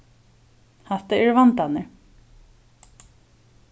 hatta eru vandarnir